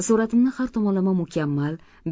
suratimni har tomonlama mukammal